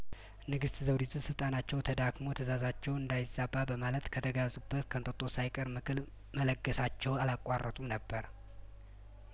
ንግስት ዘውዲቱ ስልጣናቸው ተዳክሞ ትእዛዛቸው እንዳይዛባ በማለት ከተጋዙበት ከእንጦጦ ሳይቀር ምክር መለገሳቸውን አላቋረጡም ነበር